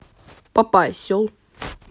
папа осел